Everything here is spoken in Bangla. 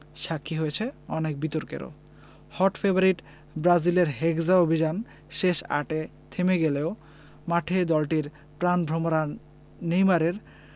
সাক্ষী হয়েছে অনেক বিতর্কেরও হট ফেভারিট ব্রাজিলের হেক্সা অভিযান শেষ আটে থেমে গেলেও মাঠে দলটির প্রাণভোমরা নেইমারের